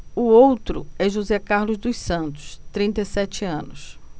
o outro é josé carlos dos santos trinta e sete anos